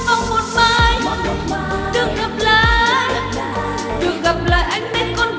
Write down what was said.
mong một mai được gặp lại được gặp lại anh